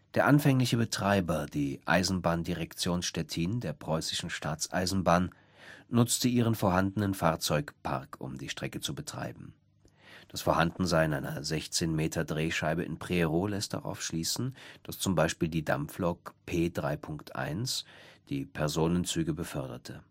Der anfängliche Betreiber, die Eisenbahndirektion Stettin der Preußische Staatseisenbahn, nutzte ihren vorhandenen Fahrzeugpark um die Strecke zu betreiben. Das Vorhandensein einer 16-m-Drehscheibe in Prerow lässt darauf schließen, dass z. B. die Dampflok P 3.1 die Personenzüge beförderte